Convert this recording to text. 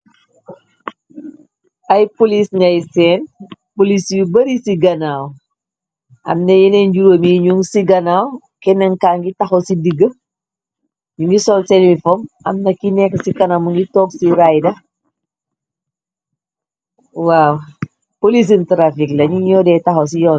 Ay police ñay seen police yu bari ci ganaaw am na yeneen njuróom yu ñu ci ganaaw kennen ka ngi taxaw ci digga ñungi sol seni uniform amna ki neka ci kanam mongi toog ci raider waw police traffic len nyum nyu de taxaw si yuun bi.